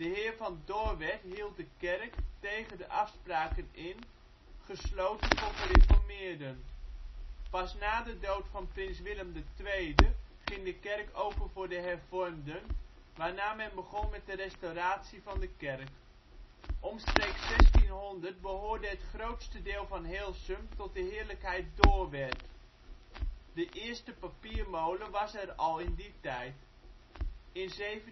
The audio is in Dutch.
heer van Doorwerth hield de kerk, tegen de afspraken in, gesloten voor gereformeerden. Pas na de dood van Prins Willem II ging de kerk open voor de hervormden, waarna men begon met de restauratie van de kerk. Omstreeks 1600 behoorde het grootste deel van Heelsum dus tot de heerlijkheid Doorwerth. De eerste papiermolen was er al in die tijd. In 1736